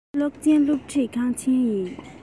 ཕ གི གློག ཅན སློབ ཁྲིད ཁང ཆེན ཡིན